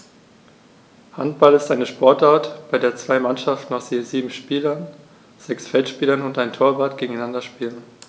Handball ist eine Sportart, bei der zwei Mannschaften aus je sieben Spielern (sechs Feldspieler und ein Torwart) gegeneinander spielen.